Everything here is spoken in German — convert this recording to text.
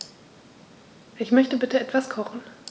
Ich möchte bitte etwas kochen.